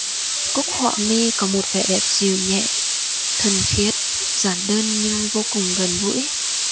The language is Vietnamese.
cúc họa mi có một vẻ đẹp dịu nhẹ thuần khiết giản đơn nhưng vô cùng gần gũi